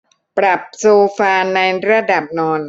ปรับโซฟาในระดับนอน